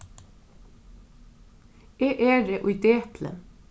eg eri í depli